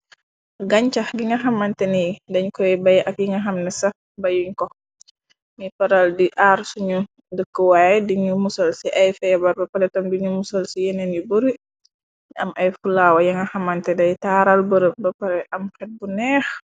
Gañcax gi nga xamante ni dañ koy bay ak yinga xamne sa bayuñ ko mi paral di ar suñu dëkkuwaay diñu musal ci ay feebar ba paletam biñu musal ci yeneen yu baru am ay fulaawa yanga xamante day taaral bërëb ba pale am xet bu neex.